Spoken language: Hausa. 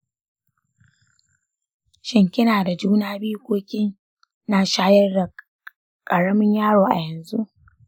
shin kina da juna biyu ko kina shayar da ƙaramin yaro a yanzu?